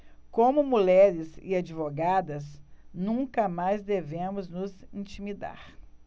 como mulheres e advogadas nunca mais devemos nos intimidar